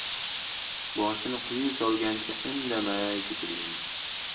boshini quyi solganicha indamay ketaverdi